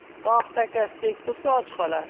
tog' takasi tek tursa och qolar